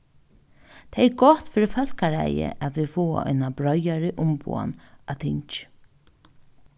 tað er gott fyri fólkaræðið at vit fáa eina breiðari umboðan á tingi